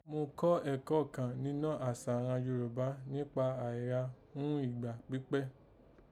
Mo kọ́ ẹ̀kọ́ kàn ninọ́ àsà àghan Yorùbá níkpa àìgha ghún ìgbà kpíkpẹ́